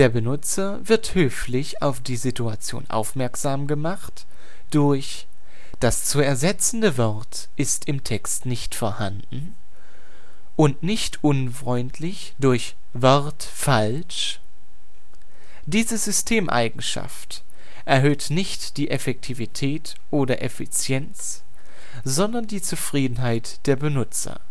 Benutzer wird höflich auf die Situation aufmerksam gemacht durch „ Das zu ersetzende Wort ist im Text nicht vorhanden. “und nicht unfreundlich durch „ Wort falsch “. Diese Systemeigenschaft erhöht nicht die Effektivität oder Effizienz, sondern die Zufriedenheit der Benutzer